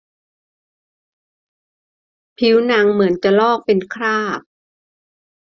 ผิวหนังเหมือนจะลอกเป็นคราบ